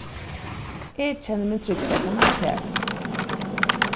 eg kenni meg trygga saman við tær